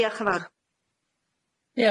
Diolch yn fawr.